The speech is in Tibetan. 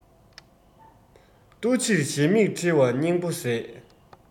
ལྟོ ཕྱིར གཞན མིག ཁྲེལ བ སྙིང པོ ཟད